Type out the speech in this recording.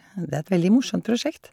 Det er et veldig morsomt prosjekt.